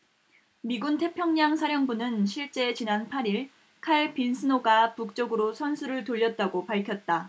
미군 태평양 사령부는 실제 지난 팔 일 칼 빈슨호가 북쪽으로 선수를 돌렸다고 밝혔다